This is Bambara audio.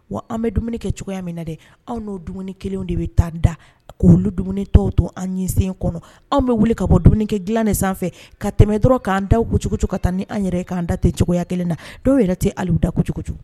Wa an bɛ dumuni kɛ cogoya minɛ dɛ, anw n'o dumuni kelenw de bɛ ta'an da k'olu dumuni tɔw to an ɲin sen kɔnɔ anw bɛ wuli ka bɔ dumunikɛdilan de sanfɛ ka tɛmɛ dɔrɔn k'an da kucukucu ka taa ni an yɛrɛ ye k'an da ten cogoya kelen na, dɔw yɛrɛ tɛ hali u da kucukucu